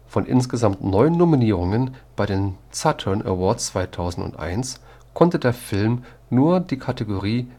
Von insgesamt neun Nominierungen bei den Saturn Awards 2001 konnte der Film nur die Kategorie